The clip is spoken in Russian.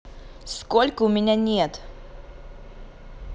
сколько у меня нет